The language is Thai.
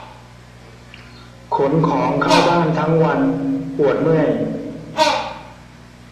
ขนของเข้าบ้านทั้งวันปวดเมื่อย